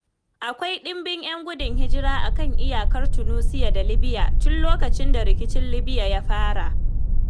Akwai ɗimbin 'yan gudun hijira a kan iyakar Tunusia da Libya tun lokacin da rikicin Libya ya fara.